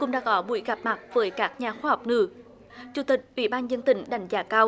cũng đã có buổi gặp mặt với các nhà khoa học nữ chủ tịch ủy ban dân tỉnh đánh giá cao